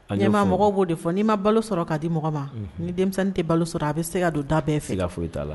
N ɲɛ ma mɔgɔ b'o de fɔ n'i ma balo sɔrɔ ka di mɔgɔ ma ni denmisɛnnin tɛ balo sɔrɔ a bɛ se ka don da bɛɛ fɛ foyi'a la